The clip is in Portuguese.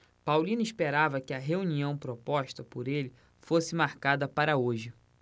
paulino esperava que a reunião proposta por ele fosse marcada para hoje